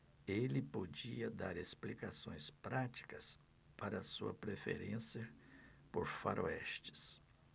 ele podia dar explicações práticas para sua preferência por faroestes